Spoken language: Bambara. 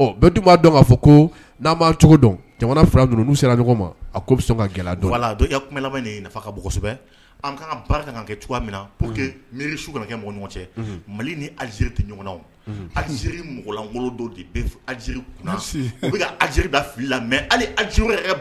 Ɔ bɛɛ tun b'a dɔn'a fɔ ko n'an b'a cogo dɔn jamana sera ɲɔgɔn ma bɛ sɔn ka gɛlɛ ninsɛbɛ an ka ka kɛ cogoya mino que miiri kɛ ɲɔgɔn cɛ mali ni aliz tɛ ɲɔgɔn alize mɔgɔlankolon don de aliz u bɛ ka az da fili la mɛ aliz